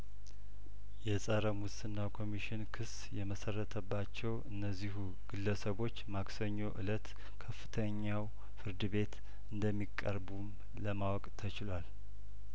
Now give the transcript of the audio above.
የጸረ ሙስና ኮሚሽን ክስ የመሰረተባቸው እነዚሁ ግለሰቦች ማክሰኞ እለት ከፍተኛው ፍርድ ቤት እንደሚቀርቡም ለማወቅ ተችሏል